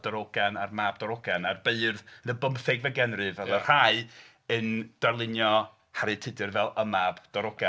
A'r darogan, a'r Mab Darogan a'r beirdd yn y bymthegfed ganrif a oedd rhai yn darlunio Harri Tudur fel y Mab Darogan.